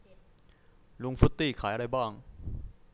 ลุงฟรุตตี้ขายอะไรบ้าง